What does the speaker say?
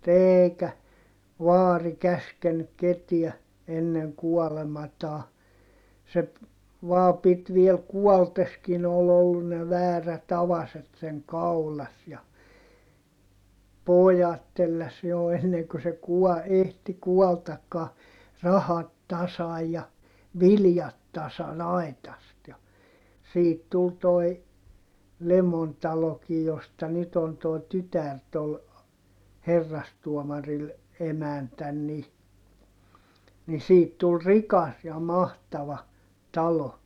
eikä vaari käskenyt ketään ennen kuolemaansa se vain piti vielä kuollessakin oli ollut ne väärät avaset sen kaulassa ja pojat telläsi jo ennen kuin se - ehti kuollakaan rahat tasan ja viljat tasan aitasta ja siitä tuli tuo Lemon talokin josta nyt on tuo tytär tuolla herrastuomarilla emäntänä niin niin siitä tuli rikas ja mahtava talo